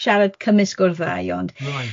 Siarad cymysg o'r ddau ond... Reit.